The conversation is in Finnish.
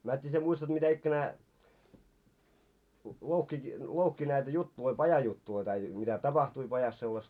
mene tiedä sinä muistat mitä ikänään louhki louhki näitä juttuja pajajuttuja tai mitä tapahtui pajassa sellaista